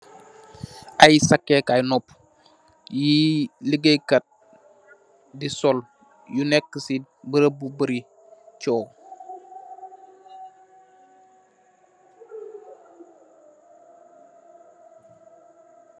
Ay sakekaay nopu yi ligaykat di sol, yu neke si barab bu baari coow